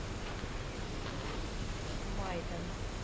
майдон